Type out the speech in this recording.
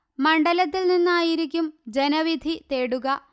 മണ്ഡലത്തിൽ നിന്നായിരിക്കും ജനവിധി തേടുക